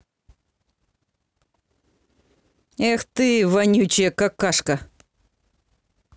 эх ты вонючая какашка